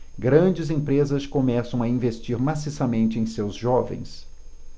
grandes empresas começam a investir maciçamente em seus jovens